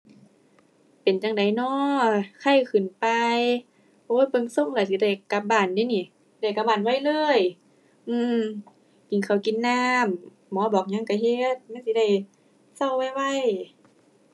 เป็นจั่งใดน้อ ไคขึ้นไป โอ้ย เบิ่งทรงแล้วสิได้กลับบ้านเดะนี่ ได้กลับบ้านไวเลย อือ กินข้าวกินน้ำ หมอบอกหยังก็เฮ็ดมันสิได้เซาไวไว